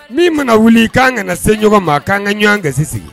Min mana wuli k'an kana se ɲɔgɔn ma, k'an ka ɲɔgɔn gasi sigi.